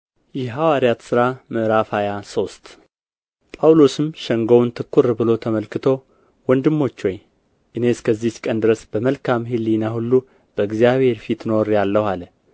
የሐዋርያት ሥራ ምዕራፍ ሃያ ሶስት ጳውሎስም ሸንጎውን ትኵር ብሎ ተመልክቶ ወንድሞች ሆይ እኔ እስከዚች ቀን ድረስ በመልካም ሕሊና ሁሉ በእግዚአብሔር ፊት ኖሬአለሁ አለ